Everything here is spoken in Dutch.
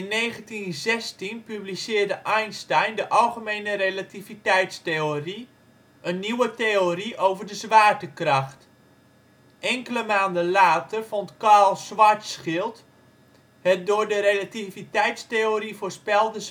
1916 publiceerde Einstein de algemene relativiteitstheorie, een nieuwe theorie over de zwaartekracht. Enkele maanden later vond Karl Schwarzschild het door de relativiteitstheorie voorspelde